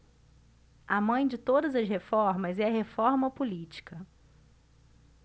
a mãe de todas as reformas é a reforma política